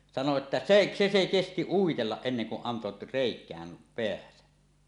sanoi että se se se kesti uitella ennen kuin antoi reikään päänsä